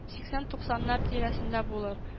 Сиксән-туксаннар тирәсендә булыр